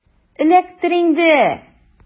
Эләктер инде!